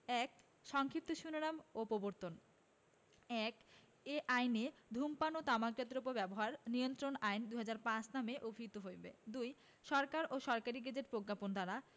১ সংক্ষিপ্ত শিরোনাম ও প্রবর্তনঃ ১ এই অঅইন ধূমপান ও তামাকজাত দ্রব্য ব্যবহার নিয়ন্ত্রণ আইন ২০০৫ নামে অভিহিত হইবে ২ সরকার সরকারী গেজেটে প্রজ্ঞাপন দ্বারা